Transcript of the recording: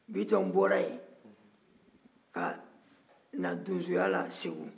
bitɔn bɔra yen ka na donsoya la segu